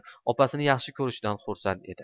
opasini yaxshi ko'rishidan xursand edi